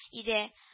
Иде